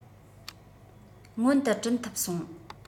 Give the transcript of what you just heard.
མངོན དུ བྲིན ཐུབ སོང